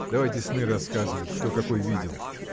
— Давайте сны рассказывать, кто какой видел.